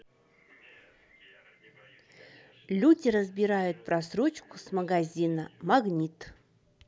люди разбирают просрочку с магазина магнит